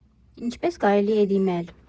Ինչպե՞ս կարելի է դիմել։